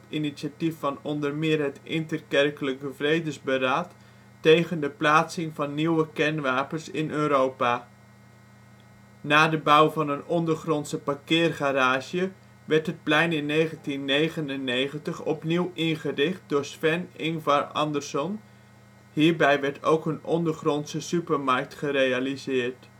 o.m. het Interkerkelijk Vredesberaad tegen de plaatsing van nieuwe kernwapens in Europa. Na de bouw van een ondergrondse parkeergarage werd het plein in 1999 opnieuw ingericht door Sven Ingvar Andersson. Hierbij werd ook een ondergrondse supermarkt AH gerealiseerd